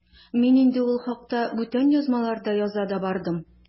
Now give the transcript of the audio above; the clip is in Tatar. Мин инде ул хакта бүтән язмаларда яза да бардым.